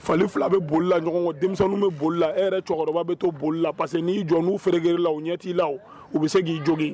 Falen fila bɛ bolila denmisɛnnin bɛ bolila e yɛrɛ cɛkɔrɔba bɛ to bolila parce que n'i jɔn' feere g la u ɲɛ t'i la u bɛ se k'i jogin